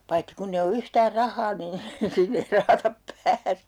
paitsi kun ei ole yhtään rahaa niin sinne ei rahatta pääse